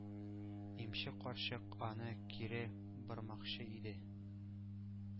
Имче карчык аны кире бормакчы иде,